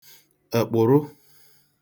kwarị̀kwatà